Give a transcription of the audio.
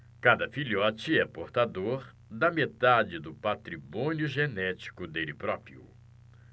cada filhote é portador da metade do patrimônio genético dele próprio